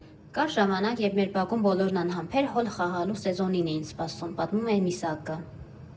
«Կար ժամանակ, երբ մեր բակում բոլորն անհամբեր հոլ խաղալու սեզոնին էին սպասում, ֊ պատմում է Միսակը։